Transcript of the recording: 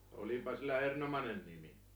olipa sillä erinomainen nimi